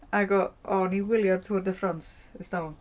Ac o- o'n i'n wylio Tour de France ers talwm.